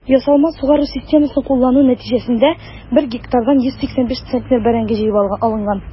Ясалма сугару системасын куллану нәтиҗәсендә 1 гектардан 185 центнер бәрәңге җыеп алынган.